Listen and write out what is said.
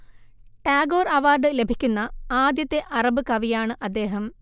Tagore award ലഭിക്കുന്ന ആദ്യത്തെ Arab കവിയാണ് അദ്ദേഹം